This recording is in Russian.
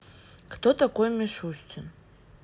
кто такой мишустин